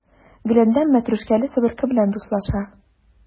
Гөләндәм мәтрүшкәле себерке белән дуслаша.